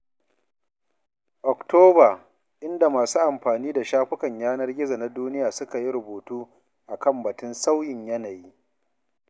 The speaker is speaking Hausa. Oktoba, inda masu amfani da shafukan yanar gizo na duniya suka yi rubutu a kan batun sauyin yanayi.